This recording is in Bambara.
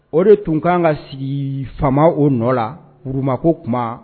O de tun ka ka sigi faama o nɔ laurma ko kuma